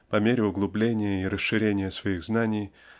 по мере углубления и расширения своих знаний